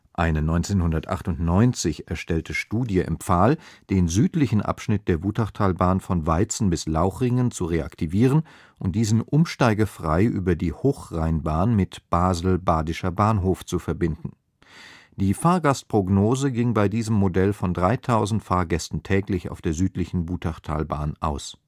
Eine 1998 erstellte Studie empfahl, den südlichen Abschnitt der Wutachtalbahn von Weizen bis Lauchringen zu reaktivieren und diesen umsteigefrei über die Hochrheinbahn mit Basel Badischer Bahnhof zu verbinden. Die Fahrgastprognose ging bei diesem Modell von 3.000 Fahrgästen täglich auf der südlichen Wutachtalbahn aus